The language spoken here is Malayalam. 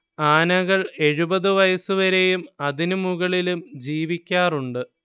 ആനകൾ എഴുപത് വയസ്സ് വരെയും അതിനു മുകളിലും ജീവിക്കാറുണ്ട്